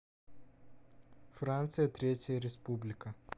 франция третья республика